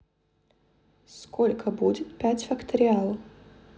сколько будет пять факториал